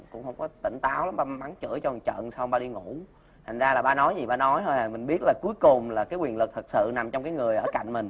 cũng không có tỉnh táo ba mắng chửi cho một trận xong ba đi ngủ thành ra là ba nói gì ba nói thôi à mình biết là cuối cùng là cái quyền lực thực sự nằm trong cái người ở cạnh mình